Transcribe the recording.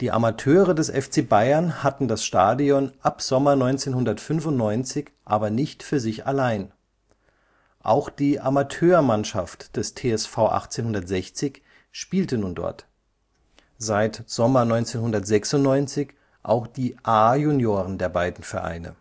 Amateure des FC Bayern hatten das Stadion ab Sommer 1995 aber nicht für sich allein. Auch die Amateurmannschaft des TSV 1860 spielte nun dort, seit Sommer 1996 auch die A-Junioren der beiden Vereine